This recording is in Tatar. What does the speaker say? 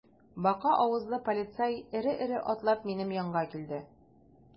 Бака авызлы полицай эре-эре атлап минем янга килде.